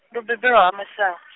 ndo bebelwa ha Mashau .